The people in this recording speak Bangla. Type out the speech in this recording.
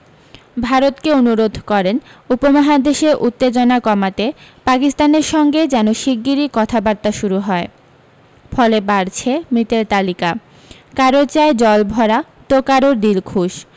ভারতকে অনুরোধ করেন উপমহাদেশে উত্তেজনা কমাতে পাকিস্তানের সঙ্গে যেন শিগগিরই কথাবার্তা শুরু হয় ফলে বাড়ছে মৃতের তালিকা কারোর চাই জলভরা তো কারোর দিলখুশ